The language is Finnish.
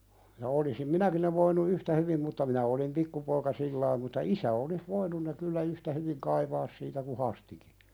ja olisin minäkin ne voinut yhtä hyvin mutta minä olin pikkupoika sillä tavalla mutta isä olisi voinut ne kyllä yhtä hyvin kaivaa siitä kuin Hastikin